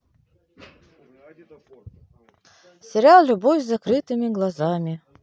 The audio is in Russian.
сериал любовь с закрытыми глазами